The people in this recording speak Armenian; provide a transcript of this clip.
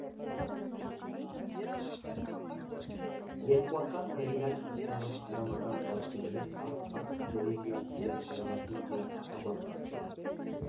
Երկուական հեղինակ կստանան դրամական պարգևներ արձակ, պոեզիա և դրամատուրգիա անվանակարգերում։